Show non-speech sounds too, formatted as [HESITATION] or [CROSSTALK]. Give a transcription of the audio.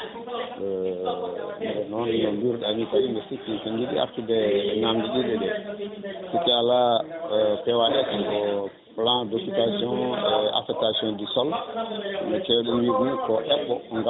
[HESITATION] hande noon no mbiruɗani [CROSSTALK] tawi mbi sikki somi yiiɗi artude e namde ɗiɗi ɗe sikki ala e PAS ko plan d' occupation et acceptation du sol no kewɗen wiide ni eɓɓo gam